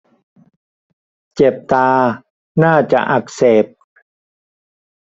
เจ็บตาน่าจะอักเสบ